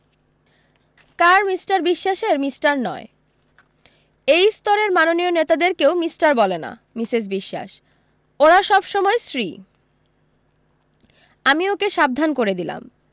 কার mister বিশ্বাসের mister নয় এই স্তরের মাননীয় নেতাদের কেউ মিষ্টার বলে না মিসেস বিশোয়াস ওরা সব সময় শ্রী আমি ওকে সাবধান করে দিলাম